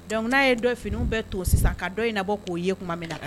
Donc n'a ye dɔ finiw bɛɛ to sisan ka dɔ in labɔ k'o ye tuma min na